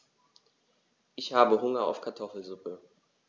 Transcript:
Ich habe Hunger auf Kartoffelsuppe.